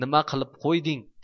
nima qilib qo'yding